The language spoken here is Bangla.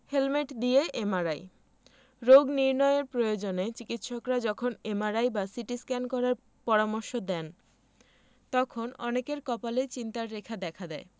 হেলমেট দিয়ে এমআরআই রোগ নির্নয়ের প্রয়োজনে চিকিত্সকরা যখন এমআরআই বা সিটিস্ক্যান করার পরামর্শ দেন তখন অনেকের কপালে চিন্তার রেখা দেখা দেয়